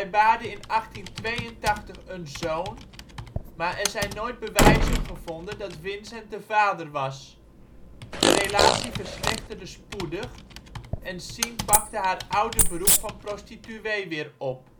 baarde in 1882 een zoon, maar er zijn nooit bewijzen gevonden dat Vincent de vader was. De relatie verslechterde spoedig en Sien pakte haar oude beroep van prostituee weer op